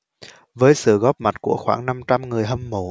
với sự góp mặt của khoảng năm trăm người hâm mộ